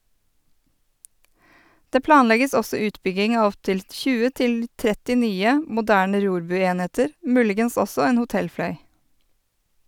Det planlegges også utbygging av opptil 20 til 30 nye, moderne rorbuenheter, muligens også en hotellfløy.